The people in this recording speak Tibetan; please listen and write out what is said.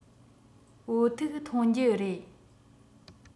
བོད ཐུག འཐུང རྒྱུ རེད